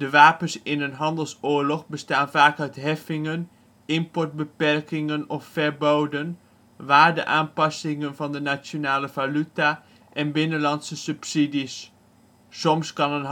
wapens in een handelsoorlog bestaan vaak uit heffingen, importbeperkingen of - verboden, waardeaanpassingen van de nationale valuta, en binnenlandse subsidies. Soms kan